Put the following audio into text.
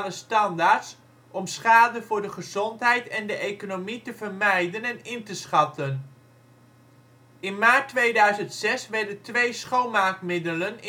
standaards om schade voor de gezondheid en de economie te vermijden en in te schatten. In maart 2006 werden twee schoonmaakmiddelen